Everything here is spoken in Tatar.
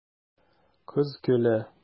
Кыз көлә.